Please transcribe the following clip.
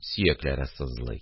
Сөякләре сызлый